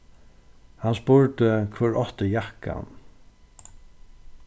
hann spurdi hvør átti jakkan